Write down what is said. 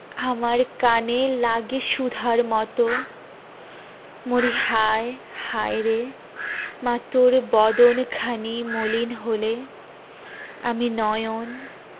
আমার কানে লাগে সুধার মতো মরি হায় হায়রে মা তোর বদন খানি মলিন হলে আমি নয়ন